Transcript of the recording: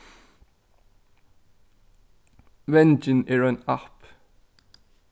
vangin er ein app